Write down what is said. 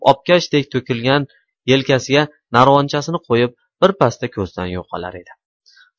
obkashdek tukilgan yelkasiga narvonchasini qo'yib birpasda ko'zdan yo'qolar edi